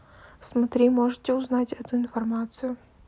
смотри можете узнать эту информацию